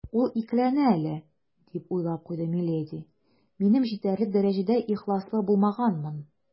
«ул икеләнә әле, - дип уйлап куйды миледи, - минем җитәрлек дәрәҗәдә ихласлы булмаганмын».